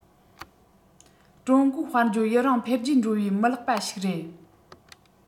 ཀྲུང གོའི དཔལ འབྱོར ཡུན རིང འཕེལ རྒྱས འགྲོ བའི མི ལེགས པ ཞིག རེད